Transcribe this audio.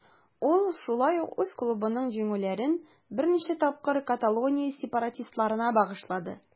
Ул шулай ук үз клубының җиңүләрен берничә тапкыр Каталония сепаратистларына багышлады.